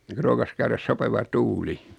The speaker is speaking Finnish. noin kun rookasi käydä sopiva tuuli